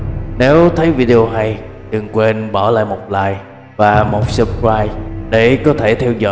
nếu thấy video hay đừng quên bỏ lại một like và một subscribe để có thể